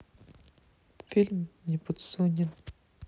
фильм неподсуден